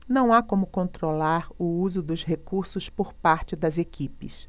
não há como controlar o uso dos recursos por parte das equipes